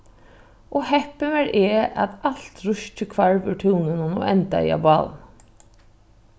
og heppin var eg at alt ruskið hvarv úr túninum og endaði á bálinum